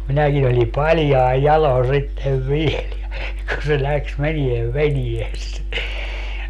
minäkin oli paljain jaloin sitten vielä ja ja kun se lähti menemään veneessä